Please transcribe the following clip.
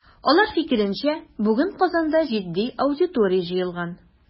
Алар фикеренчә, бүген Казанда җитди аудитория җыелган.